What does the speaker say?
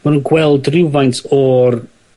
ma' nw'n gweld rywfaint o'r